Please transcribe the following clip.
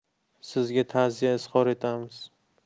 sizga ta'ziya izhor qilamiz